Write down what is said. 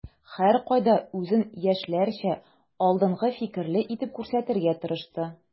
Һәркайда үзен яшьләрчә, алдынгы фикерле итеп күрсәтергә тырышты.